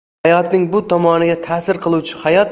hayotning bu tomoniga ta'sir qiluvchi